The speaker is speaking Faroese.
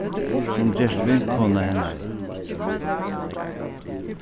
sum gerst vinkona hennara